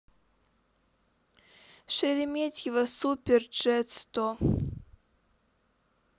шереметьево супер джет сто